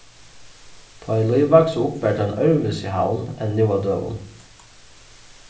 tá ið lív vaks upp var tað ein øðrvísi havn enn nú á døgum